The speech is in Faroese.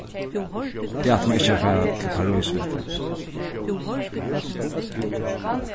eg ætli mær ikki at fara til parís við tær